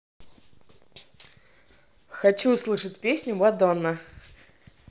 хочу услышать песню madonna